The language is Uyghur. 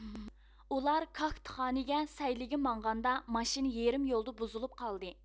ئۇلار كاگتىخانىگە سەيلىگە ماڭغاندا ماشىنا يېرىم يولدا بۇزۇلۇپ قالدى